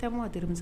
Se tɛ